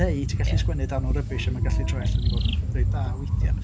Neu ti'n gallu... ia. ...sgwennu darn o rybish a ma'n gallu troi allan i fod yn reit dda weithiau.